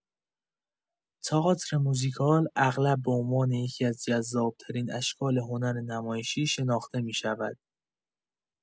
تئاتر موزیکال اغلب به عنوان یکی‌از جذاب‌ترین اشکال هنر نمایشی شناخته می‌شود.